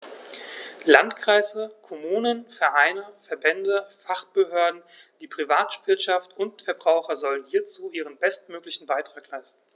Landkreise, Kommunen, Vereine, Verbände, Fachbehörden, die Privatwirtschaft und die Verbraucher sollen hierzu ihren bestmöglichen Beitrag leisten.